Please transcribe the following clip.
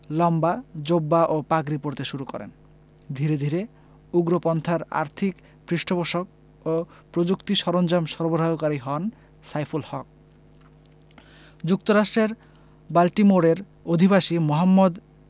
লম্বা জোব্বা ও পাগড়ি পরতে শুরু করেন ধীরে ধীরে উগ্রপন্থার আর্থিক পৃষ্ঠপোষক ও প্রযুক্তি সরঞ্জাম সরবরাহকারী হন সাইফুল হক যুক্তরাষ্ট্রের বাল্টিমোরের অধিবাসী মোহাম্মদ